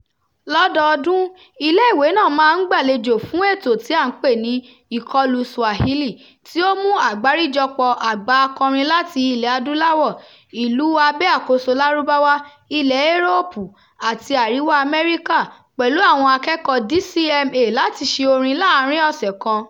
Lọ́dọọdún, iléèwé náà máa ń gbàlejò fún ètò tí a pè ní "Ìkọlù Swahili", tí ó mú àgbárijọpọ̀ọ àgbà akọrin láti Ilẹ̀-Adúláwọ̀, Ìlú Abẹ́-àkóso Lárúbáwá, Ilẹ̀ Éróòpù àti Àríwá Amẹ́ríkà pẹ̀lú àwọn akẹ́kọ̀ọ́ DCMA láti ṣe orin láàárín ọ̀sẹ̀ kan.